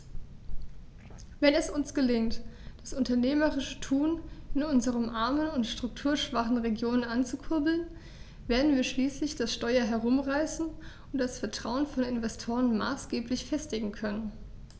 Wenn es uns gelingt, das unternehmerische Tun in unseren armen und strukturschwachen Regionen anzukurbeln, werden wir schließlich das Steuer herumreißen und das Vertrauen von Investoren maßgeblich festigen können.